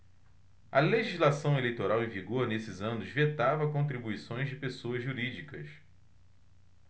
a legislação eleitoral em vigor nesses anos vetava contribuições de pessoas jurídicas